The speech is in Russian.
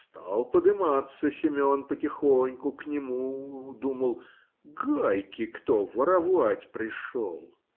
стал подыматься Семен потихоньку к нему: думал, гайки кто воровать пришел.